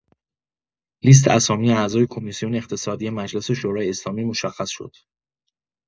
لیست اسامی اعضای کمیسیون اقتصادی مجلس شورای اسلامی مشخص شد.